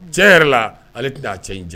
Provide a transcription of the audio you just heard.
Tiɲɛ yɛrɛ la, ale tɛn'a cɛ in jan